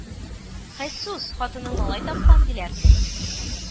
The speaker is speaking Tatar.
Хэйсус, хатының малай тапкан, диләр